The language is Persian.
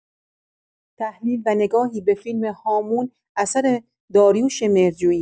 تحلیل و نگاهی به فیلم «هامون» اثر داریوش مهرجویی